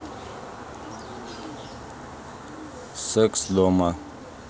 секс дома